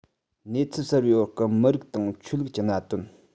གནས ཚུལ གསར བའི འོག གི མི རིགས དང ཆོས ལུགས ཀྱི གནད དོན